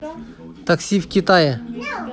такси в китае